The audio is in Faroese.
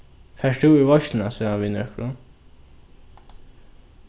fert tú í veitsluna saman við nøkrum